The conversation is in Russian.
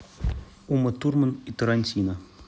ума турман и тарантино